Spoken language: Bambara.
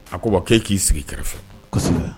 A ko wa ko' e k'i sigi kɛrɛfɛ kosɛbɛ